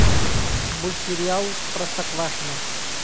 мультсериал простоквашино